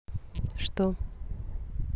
что